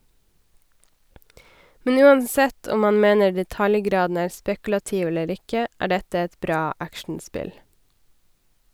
Men uansett om man mener detaljgraden er spekulativ eller ikke, er dette et bra actionspill .